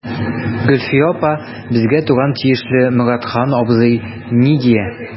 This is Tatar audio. Гөлфия апа, безгә туган тиешле Моратхан абзый ни дия.